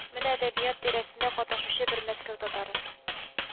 Менә әдәбият тирәсендә катнашучы бер мәскәү татары